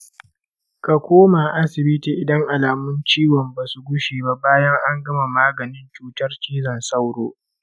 ka koma asibiti idan alamun ciwon ba su gushe ba bayan an gama maganin cutar cizon sauro